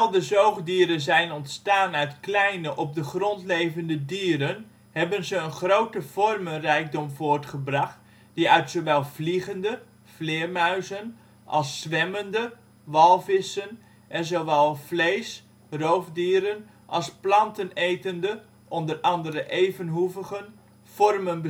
de zoogdieren zijn ontstaan uit kleine, op de grond levende dieren, hebben ze een grote vormenrijkdom voortgebracht, die uit zowel vliegende (vleermuizen) als zwemmende (walvissen) en zowel vlees - (roofdieren) als plantenetende (onder andere evenhoevigen) vormen